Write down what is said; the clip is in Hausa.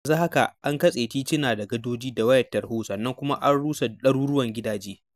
A yanzu haka, an katse tituna da gadoji da wayar tarho sannan kuma an rusa ɗaruruwan gidaje.